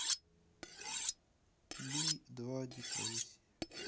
би два депрессия